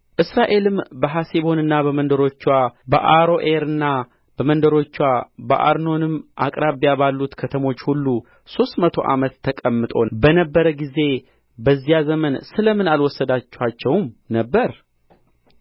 እስራኤልም በሐሴቦንና በመንደሮችዋ በአሮዔርና በመንደሮችዋ በአርኖንም አቅራቢያ ባሉት ከተሞች ሁሉ ሦስት መቶ ዓመት ተቀምጦ በነበረ ጊዜ በዚያ ዘመን ስለ ምን አልወሰዳችኋቸውም ነበር